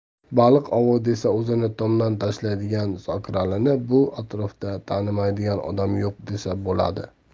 baliq ovi desa o'zini tomdan tashlaydigan zokiralini bu atrofda tanimaydigan odam yo'q desa bo'ladi